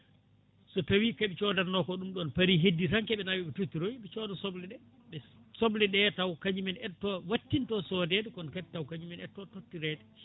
so tawi koɓe codanno ko ɗum ɗon paari heddi tan koɓe nawa eɓe tottiroya ɓe cooda soble ɗe sobleɗe taw kañumen etoto wattinto sodedekono kadi tawa kadi kañumen eteto tottirede